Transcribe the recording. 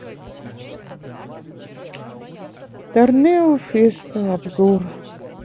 торнео феста обзор